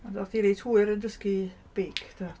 Ond o't ti reit hwyr yn dysgu beic, do't?